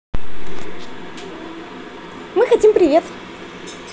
мы хотим привет